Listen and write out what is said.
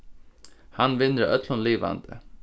hann vinnur á øllum livandi